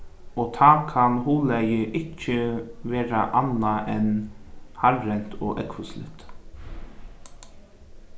og tá kann huglagið ikki vera annað enn harðrent og ógvusligt